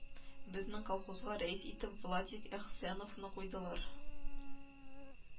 Безнең колхозга рәис итеп владик әхсәновны куйдылар